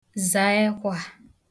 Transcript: zà ekwha